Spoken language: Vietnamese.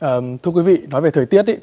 thưa quý vị nói về thời tiết thì